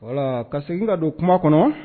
Wala ka segin ka don kuma kɔnɔ